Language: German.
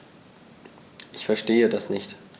Ich verstehe das nicht.